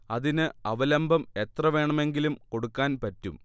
അതിന് അവലംബം എത്ര വേണമെങ്കിലും കൊടുക്കാൻ പറ്റും